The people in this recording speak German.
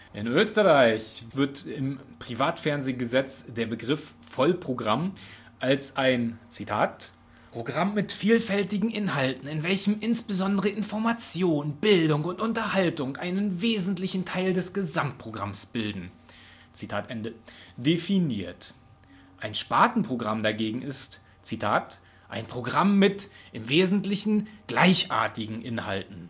In Österreich wird im Privatfernsehgesetz der Begriff Vollprogramm als ein „ Programm mit vielfältigen Inhalten, in welchem insbesondere Information, Bildung und Unterhaltung einen wesentlichen Teil des Gesamtprogramms bilden “definiert; ein Spartenprogramm dagegen ist „ ein Programm mit im Wesentlichen gleichartigen Inhalten